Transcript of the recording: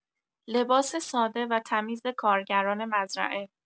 لباس ساده و تمیز کارگران مزرعه